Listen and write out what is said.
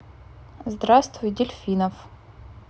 здравствуй дельфинов